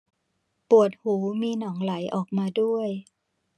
ปวดหูมีหนองไหลออกมาด้วย